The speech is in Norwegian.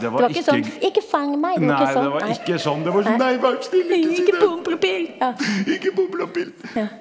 det var ikke sånn ikke fang meg, det var ikke sånn nei nei ikke Pompel og Pilt ja ja.